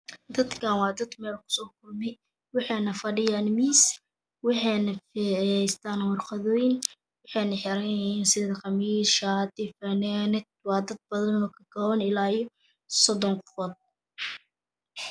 Dadkaan waa Dad Mel ku so kulmay waxeyna fadhiyaan miis waxeyna hestaan warqadoyin waxeyna xeran yihiin sida qamiis shati fananad waa dad badan o ka koban ilaa iyo 30 qofod